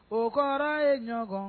O kɔrɔ ye ɲɔgɔn